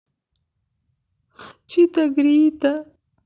чито грито